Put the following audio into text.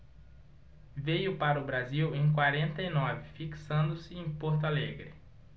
veio para o brasil em quarenta e nove fixando-se em porto alegre